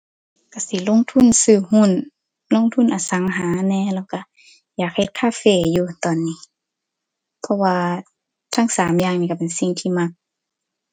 ก็สิลงทุนซื้อหุ้น ลงทุนอสังหาแหน่แล้วก็ อยากเฮ็ดคาเฟอยู่ตอนนี้ เพราะว่าทั้งสามอย่างนี้ก็เป็นสิ่งที่มัก